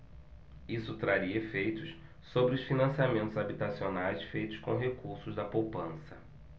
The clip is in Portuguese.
isso traria efeitos sobre os financiamentos habitacionais feitos com recursos da poupança